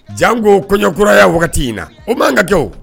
Jan ko kɔɲɔkuraya wagati in na o b'an ka kɛ